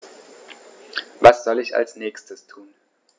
Was soll ich als Nächstes tun?